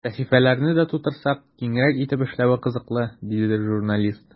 Сәхифәләрне дә тулырак, киңрәк итеп эшләве кызыклы, диде журналист.